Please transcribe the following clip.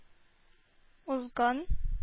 Узган